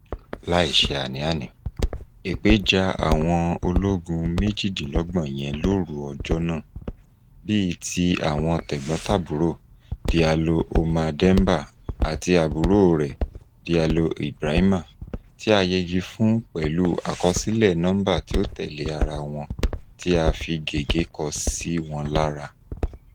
Láìsí àní-àní, èpè ja àwọn ológun 28 yẹn lóru ọjọ́ náà. Bí i ti àwọn tẹ̀gbọ́n-tàbúrò, Diallo Oumar Demba àti àbúròo rẹ̀ Diallo Ibrahima tí a yẹgi fún pẹ̀lú àkọsílẹ̀ nọ́ḿbà tí ó tẹ̀lé ara wọn tí a fi gègé kọ sí wọn lára.